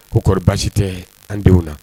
Ko kɔrɔ baasi tɛ an denw na